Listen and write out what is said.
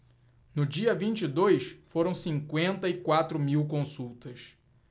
no dia vinte e dois foram cinquenta e quatro mil consultas